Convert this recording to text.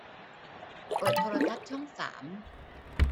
เปิดโทรทัศน์ช่องสาม